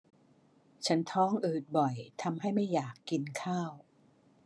ฉันท้องอืดบ่อยทำให้ไม่อยากกินข้าว